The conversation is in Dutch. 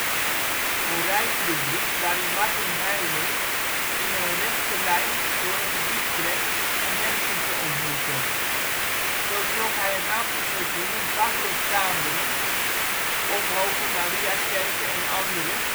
reisrubriek waarin Martin Heylen in een rechte lijn door een gebied trekt om mensen te ontmoeten. Zo trok hij een aantal seizoenen dwars door Vlaanderen (Ophoven-Mariakerke en andere